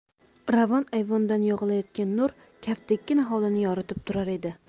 ravon ayvondan yog'ilayotgan nur kaftdekkina hovlini yoritib turar edi